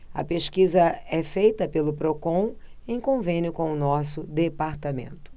a pesquisa é feita pelo procon em convênio com o diese